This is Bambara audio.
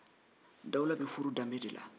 dawula be furu danbe de la